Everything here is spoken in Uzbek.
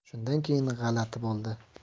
shundan keyin g'alati bo'ldi